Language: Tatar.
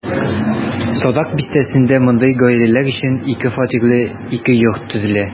Садак бистәсендә мондый гаиләләр өчен ике фатирлы ике йорт төзелә.